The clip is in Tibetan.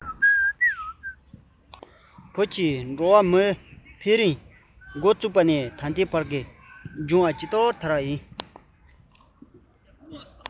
བོད ཀྱི འགྲོ བ མིའི འཕེལ རིམ མགོ བཙུགས པ ནས ད ལྟའི བར ཇི ལྟར བྱུང ཞིང དར བ དང